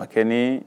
A kɛ ni